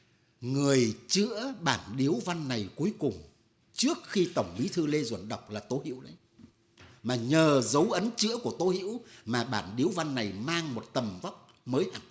người chữa bản điếu văn này cuối cùng trước khi tổng bí thư lê duẩn đọc là tố hữu đấy mà nhờ dấu ấn chữa của tô hữu mà bản điếu văn này mang một tầm vóc mới thật